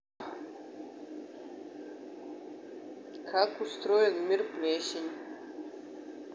как устроен мир плесень